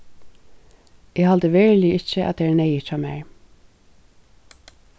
eg haldi veruliga ikki at tað er neyðugt hjá mær